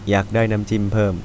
อยากได้น้ำจิ้มเพิ่ม